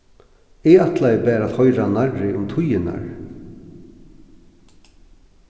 eg ætlaði bara at hoyra nærri um tíðirnar